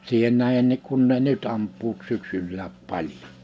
siihen nähdenkin kun ne nyt ampuvat syksylläkin paljon